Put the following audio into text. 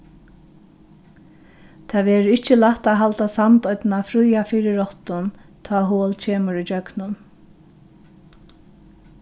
tað verður ikki lætt at halda sandoynna fría fyri rottum tá hol kemur ígjøgnum